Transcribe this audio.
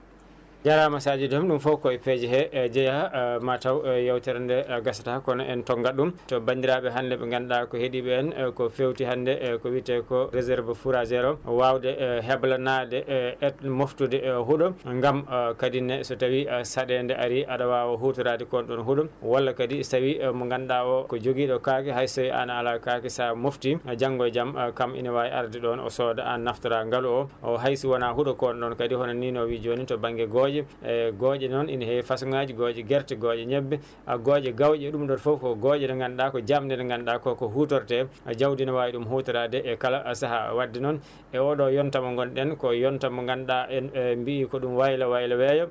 jarama Sadio Déme ɗum fo koye peeje he jeeya mataw yewtere nde gasata kono en tongnat ɗum to bandiraɓe hannde ɓe ganduɗa ko heeɗiɓe en ko fewti hannde e ko wiite ko réserve fourragère o wawde e heblanade e moftude huuɗo gaam kadi ne so tawi saɗede aari aɗa wawa hutorade kon ɗon huuɗo walla kadi so tawi mo ganduɗa o ko jogiɗo kaake hayso an a ala kaake sa mofti janŋngo e jaam kam ina wawi arde ɗon o sooda an naftoɗa ngaalu o o hayso wona huuɗo ko noon kadi hono ni no wii jooni to banŋnge gooƴe e gooƴe noon ene heewi façon ŋaaji gooƴe gerte gooƴe ñebbe ha gooƴe gawƴe ɗum ɗon foof ko gooƴe ɗe ganduɗa ko jamnde nde ganduɗa koko hutorte jawdi ne wawi ɗum hutorade e kala saaha wadde noon e oɗo yonta mo gonɗen ko yonta mo ganduɗa en mbi ko ɗum waylo waylo weeyo